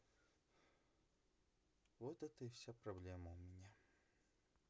вот это и вся проблема у меня